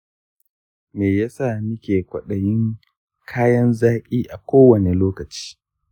me yasa nike kwaɗayin kayan zaƙi a kowane lokaci?